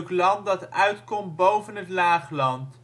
land dat uitkomt boven het laagland